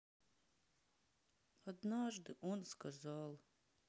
однажды он сказал